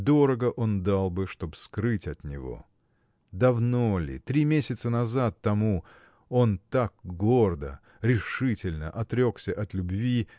Дорого он дал бы, чтоб скрыть от него. Давно ли три месяца назад тому он так гордо решительно отрекся от любви